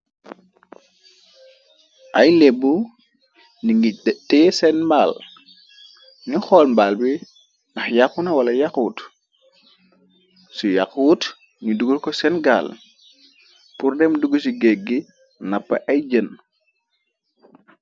ay lébbu di ngi tee seen mbaal nu xool mbaal bi ndax yaxqu na wala yaxuut su yaxuut nu dugul ko seen gaal purnem dug ci géggi nappa ay jën